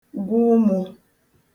gwụ umō